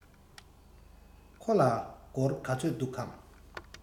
ཁོ ལ སྒོར ག ཚོད འདུག གམ